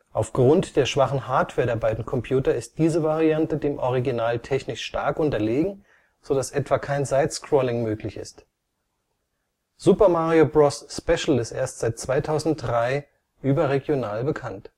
Aufgrund der schwachen Hardware der beiden Computer ist diese Variante dem Original technisch stark unterlegen, sodass etwa kein Side-Scrolling möglich ist. Super Mario Bros. Special ist erst seit 2003 überregional bekannt